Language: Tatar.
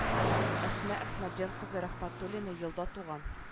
Әсма әхмәтҗан кызы рәхмәтуллина елда туган